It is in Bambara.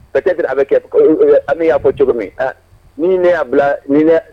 Patɛp a bɛ kɛ an bɛ y'a fɔ cogo min a ni ne y'a bila ni dɛ